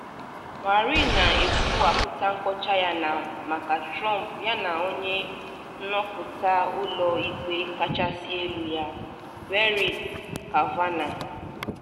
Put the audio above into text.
Warren na-ekwuwapụta nkọcha ya maka Trump yana onye nhọpụta Ụlọ Ikpe Kachasị Elu ya, Brett Kavanaugh.